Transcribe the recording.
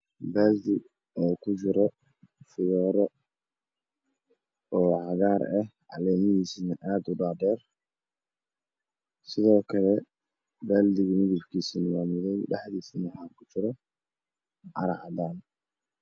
Baaldi oo u ku jiro qudaaro oo cagaar ah calemihiisa waa dhaadheer sidoo kale baaldiga midabkiisu waa madow waxa ku jira dhexdiisa carro cadaan ah